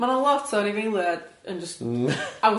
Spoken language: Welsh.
Ma' na lot o anifeiliad yn jyst out and about tibod?